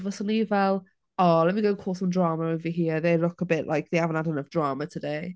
Fyswn i fel "oh, let me go cause some drama over here, they look a bit like they haven't had enough drama today."